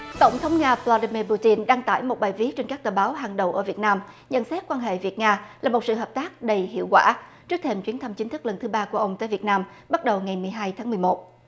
thống nga vờ la đi min pu tin đăng tải một bài viết trên các tờ báo hàng đầu ở việt nam nhận xét quan hệ việt nga là một sự hợp tác đầy hiệu quả trước thềm chuyến thăm chính thức lần thứ ba của ông tới việt nam bắt đầu ngày mười hai tháng mười một